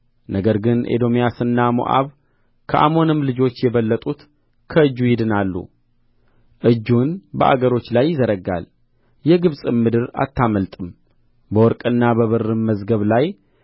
ነገር ግን ኤዶምያስና ሞዓብ ከአሞንም ልጆች የበለጡት ከእጁ ይድናሉ እጁን በአገሮች ላይ ይዘረጋል የግብጽም ምድር አታመልጥም በወርቅና በብርም መዝገብ ላይ